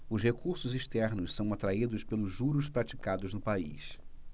os recursos externos são atraídos pelos juros praticados no país